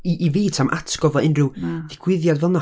I i fi, 'sna'm atgof o unrhyw... Na... ddigwyddiad fel'na...